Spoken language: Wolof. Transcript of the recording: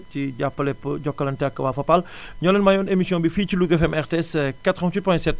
ci jàppaleb Jokalante ak waa Fapal ñoo leen mayoon émission bi fii ci Louga FM RTS 88.7